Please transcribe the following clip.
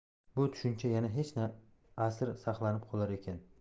bu tushuncha yana necha asr saqlanib qolar ekan